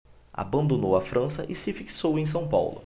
abandonou a frança e se fixou em são paulo